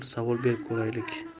savol berib ko'raylik